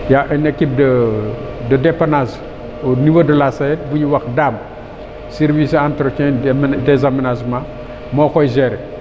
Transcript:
y' a une équipe de de dépannage au niveau de la SAED bu ñuy wax Dame service entretien des * des aménagements moo koy gérer